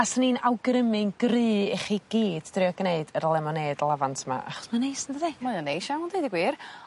A swn i'n awgrymu'n gry i chi gyd drio gneud yr lemonêd lafant 'ma achos ma'n neis yndydi? Mae o'n neish iawn deud y gwir.